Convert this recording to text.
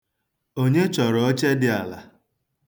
Onye chọrọ oche dị ala?